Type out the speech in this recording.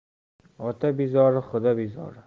ota bezori xudo bezori